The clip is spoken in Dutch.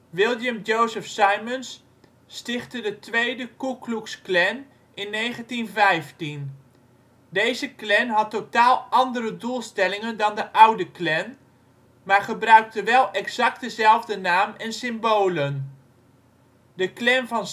William Joseph Simmons stichtte de tweede Ku Klux Klan in 1915. Deze Klan had totaal andere doelstellingen dan de oude Klan maar gebruikte wel exact dezelfde naam en symbolen. De Klan van Simmons